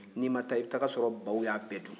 n'i ma taa i bɛ taa a sɔrɔ baw y'a bɛɛ dun